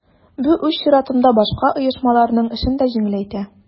Бу үз чиратында башка оешмаларның эшен дә җиңеләйтә.